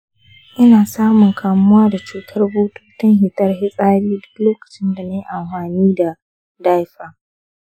ina samun kamuwa da cutar bututun fitar fitsari duk lokacin da na yi amfani da diaphragm.